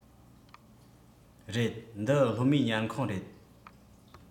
རེད འདི སློབ མའི ཉལ ཁང རེད